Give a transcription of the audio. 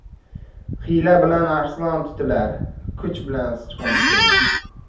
hiyla bilan arslon tutilar kuch bilan sichqon tutilmas